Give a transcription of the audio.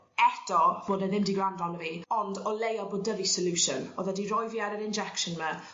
eto bod e ddim 'di grando arno fi ond o leia bo' 'dy fi solution o'dd e 'di roi fi ar yr injection 'ma